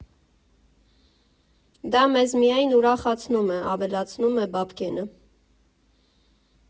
Դա մեզ միայն ուրախացնում է»,֊ավելացնում է Բաբկենը։